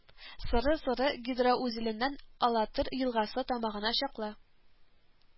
Сыры, Сыры гидроузеленән Алатырь елгасы тамагына чаклы